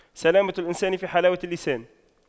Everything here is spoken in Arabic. سلامة الإنسان في حلاوة اللسان